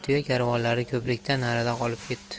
tuya karvonlari ko'prikdan narida qolib ketdi